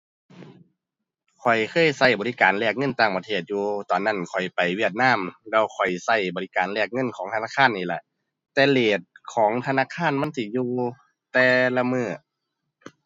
ข้อยเคยใช้บริการแลกเงินต่างประเทศอยู่ ตอนนั้นข้อยไปเวียดนามแล้วข้อยใช้บริการแลกเงินของธนาคารนี่แหละ แต่เรตของธนาคารมันสิอยู่แต่ละมื้อ